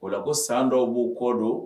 O la ko san dɔw b'o kɔ don